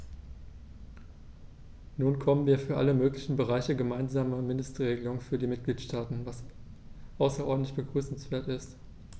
Nun bekommen wir für alle möglichen Bereiche gemeinsame Mindestregelungen für die Mitgliedstaaten, was außerordentlich begrüßenswert ist.